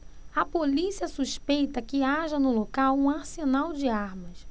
a polícia suspeita que haja no local um arsenal de armas